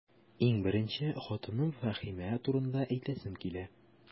Иң беренче, хатыным Фәһимә турында әйтәсем килә.